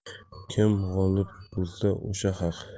kim g'olib bo'lsa o'sha haq